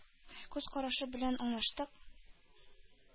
Күз карашы белән аңлаштык.